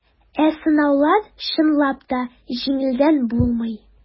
Ә сынаулар, чынлап та, җиңелдән булмый.